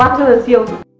bác rất là siêu